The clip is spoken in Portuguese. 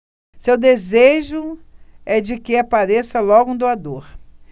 seu desejo é de que apareça logo um doador